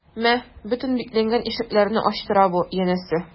Мә, бөтен бикләнгән ишекләрне ачтыра бу, янәсе...